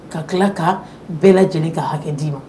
Ka tila ka bɛɛ lajɛlen ka hakɛ d'i ma